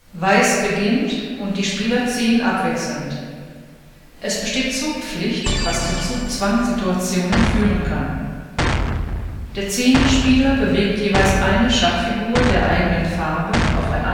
Weiß beginnt, und die Spieler ziehen abwechselnd. Es besteht Zugpflicht, was zu Zugzwang-Situationen führen kann. Der ziehende Spieler bewegt jeweils eine Schachfigur der eigenen Farbe auf ein